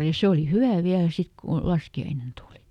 ja se oli hyvä vielä sitten kun laskiainen tuli